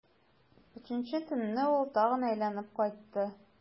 Өченче төнне ул тагын әйләнеп кайтты.